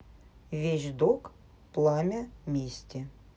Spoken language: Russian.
вещдок пламя мести